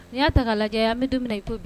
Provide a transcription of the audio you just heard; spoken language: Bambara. Ni ya ta ka lajɛ an bi don min na i ko bi